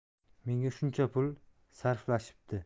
menga shuncha pul sarflashibdi